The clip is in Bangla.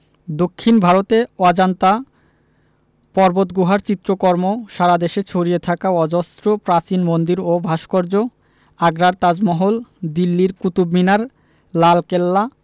দক্ষিন ভারতে অজন্তা পর্বতগুহার চিত্রকর্ম সারা দেশে ছড়িয়ে থাকা অজস্র প্রাচীন মন্দির ও ভাস্কর্য আগ্রার তাজমহল দিল্লির কুতুব মিনার লালকেল্লা